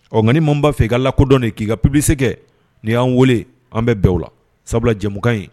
Ɔ nkai man b' fɛ i ka la kodɔn de k'i ka ppisɛgɛ n ni y'an weele an bɛ bɛɛ la sabula jɛmukan ye